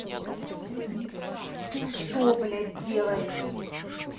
ты что блять делаешь